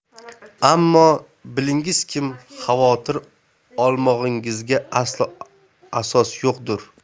ammo bilingizkim xavotir olmog'ingizga aslo asos yo'qtur